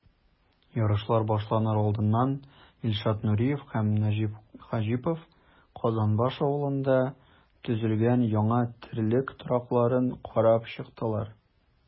Ярышлар башланыр алдыннан Илшат Нуриев һәм Нәҗип Хаҗипов Казанбаш авылында төзелгән яңа терлек торакларын карап чыктылар.